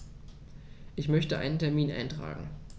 Ich möchte einen Termin eintragen.